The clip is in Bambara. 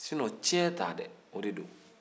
n'o tɛ cɛn ta o de don